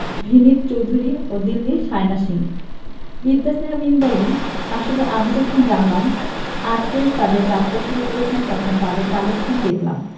ভিনিত চৌধুরী ও দিল্লির শায়না সিং বিদ্যা সিনহা মিম বলেন আসলে আমি যখন জানলাম আর্টরেস তাদের যাত্রা শুরু করেছে তখন তাদের কালেকশান দেখলাম